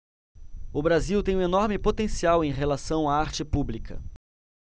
o brasil tem um enorme potencial em relação à arte pública